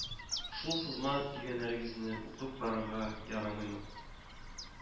Шул сызма дигәннәрегезне укып карарга ярамыймы